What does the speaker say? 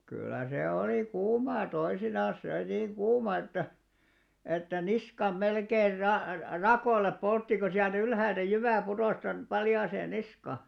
kyllä se oli kuumaa toisinaan siellä oli niin kuuma että että niskan melkein - rakoille poltti kun sieltä ylhäältä jyvä putosi tuonne paljaaseen niskaan